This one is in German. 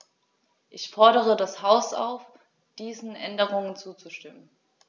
Ich fordere das Haus auf, diesen Änderungen zuzustimmen.